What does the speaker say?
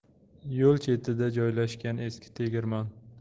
yo'l chetida joyiashgan eski tegirmon